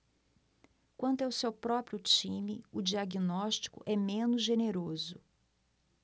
quanto ao seu próprio time o diagnóstico é menos generoso